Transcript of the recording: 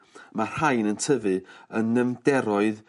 ma' rhain yn tyfu yn nyfnderoedd